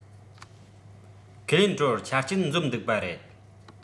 ཁས ལེན དྲོར ཆ རྐྱེན འཛོམས འདུག པ རེད